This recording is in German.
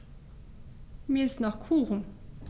Mir ist nach Kuchen.